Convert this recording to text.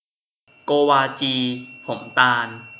โกวาจีผมตาล